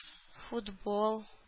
Футбол